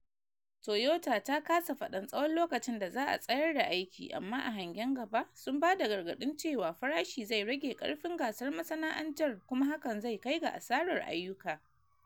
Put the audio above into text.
Toyota ta kasa fadan tsawon lokacin da za a sayar da aiki, amma a hangen gaba, sun bada gargadin cewa farashi zai rage karfin gasar masana’antar kuma hakan zai kai ga asarar ayyuka.